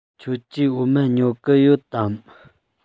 ཁྱོད ཀྱིས འོ མ ཉོ གི ཡོད དམ